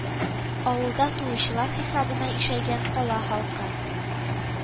Авылда туучылар хисабына ишәйгән кала халкы